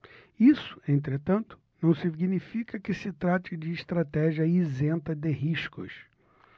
isso entretanto não significa que se trate de estratégia isenta de riscos